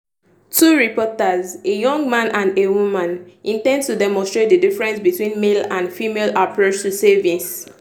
Two reporters, a young man and a woman, intend to demonstrate the difference between male and female approach to savings.